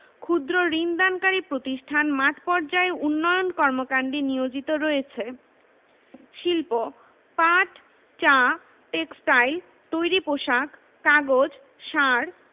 গভীরতাতেই ভূগর্ভস্থ পানি পাওয়া যায় তুলনামূলক উঁচু সোপান এলাকা অর্থাৎ বরেন্দ্রভূমি ও মধুপুরগড় এলাকায় প্লাইসটোসিন ডুপি টিলা